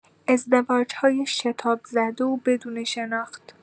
ازدواج‌های شتاب‌زده و بدون شناخت